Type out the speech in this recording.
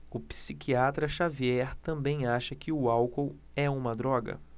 o psiquiatra dartiu xavier também acha que o álcool é uma droga